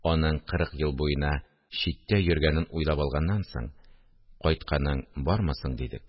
Аның кырык ел буена читтә йөргәнен уйлап алганнан соң: – Кайтканың бармы соң? – дидек